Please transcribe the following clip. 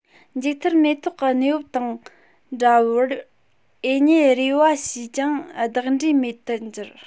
མཇུག མཐར མེ ཏོག གི གནས བབ དང འདྲ བར ཨེ རྙེད རེ བ བྱས ཀྱང བདག འབྲས མེད དུ གྱུར